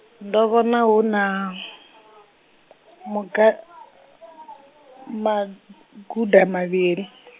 ndo vhona huna, muga-, maguḓa mavhili.